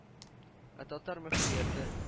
Ә татар мөхтәрияте